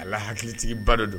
A la hakilitigiba dɔ don